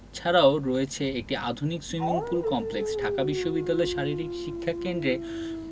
ছাড়াও রয়েছে একটি আধুনিক সুইমিং পুল কমপ্লেক্স ঢাকা বিশ্ববিদ্যালয় শারীরিক শিক্ষা কেন্দ্র